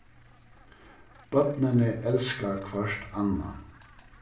børnini elska hvørt annað